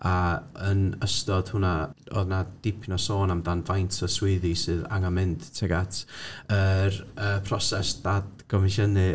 A yn ystod hwnna, oedd yna dipyn o sôn amdan faint o swyddi sydd angen mynd tuag at yr y proses datgomisiynu.